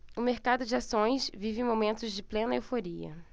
o mercado de ações vive momentos de plena euforia